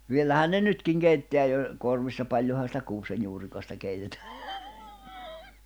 vielähän ne nytkin keittää jo korvissa paljonhan sitä kuusenjuurikasta keitetään